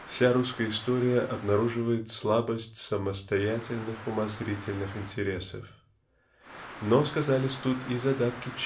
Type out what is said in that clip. Вея русская история обнаруживает слабость самостоятельных умозрительных интересов. Но сказались тут и задатки